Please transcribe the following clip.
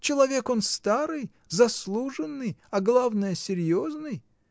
Человек он старый, заслуженный, а главное серьезный!